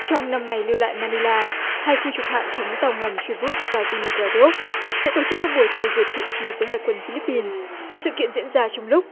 trong năm ngày lưu lại ma ni la hai khu trục hạm chống tàu ngầm tri bút và vi nơ ga đốp sẽ tổ chức các buổi thảo dược thiện chí với hải quân phi líp pin sự kiện diễn ra trong lúc